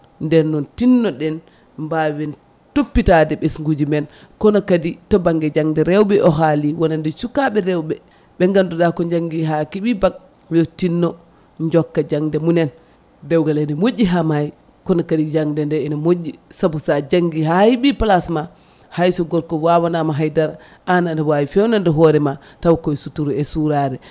nden noon tinno ɗen mbawen toppitade ɓesguji men kono kadi to banggue jangde rewɓe o haali wonande sukaɓe rewɓe ɓe ganduɗa ko janggui ha keeɓi BAC yo tinno jokka jangde mumen dewgal ene moƴƴi ha maayi kono kadi jangde nde ene moƴƴi saabu sa janggui ha heeɓi place ma hayso gorko wawanama haydara an aɗa wawi fewnande hoorema tawko e suuturu e surare